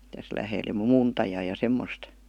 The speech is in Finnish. tässä lähellä ja muuntajaa ja semmoista